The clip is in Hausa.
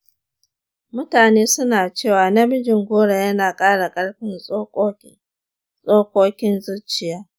mutane suna cewa namijin goro yana ƙara ƙarfin tsokokin zuciya